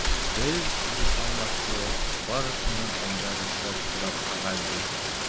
Без, - дип аңлатты ул, - барысыннан алда рөхсәт сорап кәгазь бирдек.